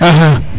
axa